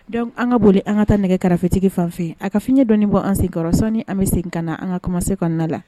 Dɔnku an ka boli an ka ta nɛgɛ karafetigi fan fɛ a ka fiɲɛ dɔnni bɔ an sen6sɔn an bɛ sen ka na an ka se kɔnɔna la